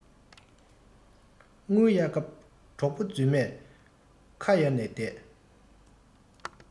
དངུལ གཡར སྐབས གྲོགས པོ རྫུན མས ཁ གཡར ནས བསྡད